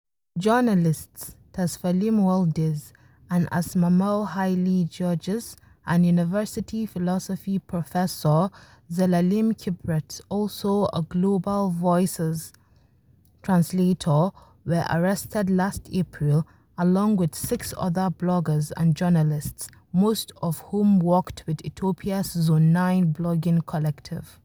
Journalists Tesfalem Waldyes and Asmamaw Hailegiorgis and university philosophy professor Zelalem Kiberet, also a Global Voices translator, were arrested last April along with six other bloggers and journalists, most of whom worked with Ethiopia’s Zone9 blogging collective.